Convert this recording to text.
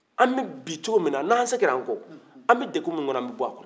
an bɛ bi cogo min na n'an seginna an kɔ an bɛ degun min na an bɛ bɔ a kɔnɔ